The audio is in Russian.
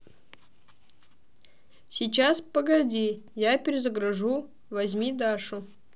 сейчас погоди я перезагружу возьми дашу